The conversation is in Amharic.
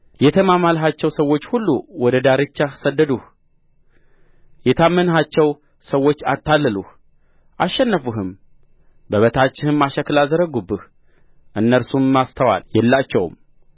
የተማማልሃቸው ሰዎች ሁሉ ወደ ዳርቻህ ሰደዱህ የታመንሃቸው ሰዎች አታለሉህ አሸነፉህም በበታችህም አሽክላ ዘረጉብህ እነርሱም ማስተዋል የላቸውም